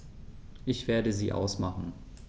Ich werde sie ausmachen.